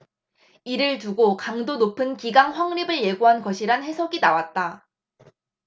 이를 두고 강도 높은 기강 확립을 예고한 것이란 해석이 나왔다